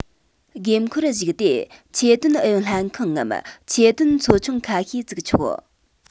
དགོས མཁོར གཞིགས ཏེ ཆེད དོན ཨུ ཡོན ལྷན ཁང ངམ ཆེད དོན ཚོ ཆུང ཁ ཤས བཙུགས ཆོག